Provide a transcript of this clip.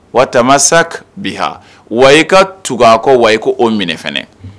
Wa tamamasa sa bi wa i ka tugu kɔ wayi ko o minɛf